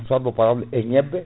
soit bo pa e ñebbe